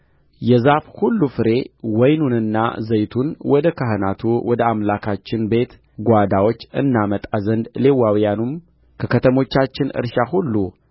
የዛፍ ሁሉ ፍሬ ወይኑንና ዘይቱንም ወደ ካህናቱ ወደ አምላካችን ቤት ጓዳዎች እናመጣ ዘንድ ሌዋውያኑም ከከተሞቻችን እርሻ ሁሉ